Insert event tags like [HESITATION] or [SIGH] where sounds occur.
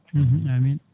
[HESITATION] [HESITATION] amine